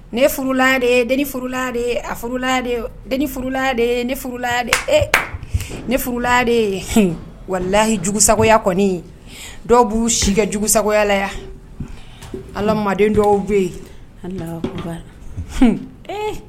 Nela de furula de a furulala dela ne furula de walayisagoya kɔni dɔw b'u sika jugusagoyala ala manden dɔw bɛ yen h